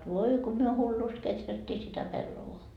voi kun me hullusti kehrättiin sitä pellavaa